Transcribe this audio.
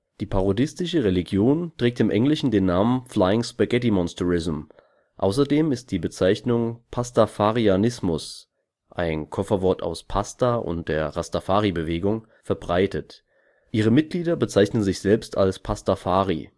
Die parodistische Religion trägt im Englischen den Namen Flying Spaghetti Monsterism. Außerdem ist die Bezeichnung Pastafarianismus (ein Kofferwort aus Pasta und der Rastafari-Bewegung) verbreitet, ihre Mitglieder bezeichnen sich selbst als Pastafari